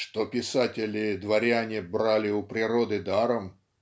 "Что писатели-дворяне брали у природы даром